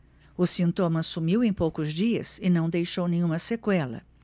o sintoma sumiu em poucos dias e não deixou nenhuma sequela